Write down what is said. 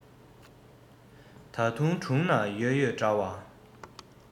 ད དུང དྲུང ན ཡོད ཡོད འདྲ བ